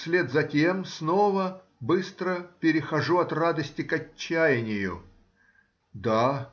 вслед за тем снова быстро перехожу от радости к отчаянию. Да